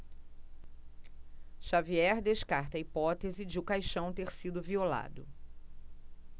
xavier descarta a hipótese de o caixão ter sido violado